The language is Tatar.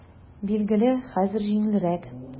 Билгеле, хәзер җиңелрәк.